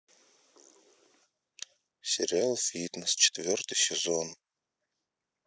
сериал фитнес четвертый сезон